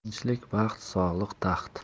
tinchhk baxt sog'lik taxt